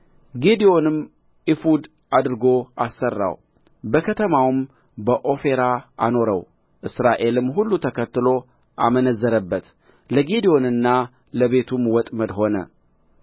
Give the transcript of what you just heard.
ጌዴዎንም ኤፉድ አድርጎ አሠራው በከተማውም በዖፍራ አኖረው እስራኤልም ሁሉ ተከትሎት አመነዘረበት ለጌዴዎንና ለቤቱም ወጥመድ ሆነ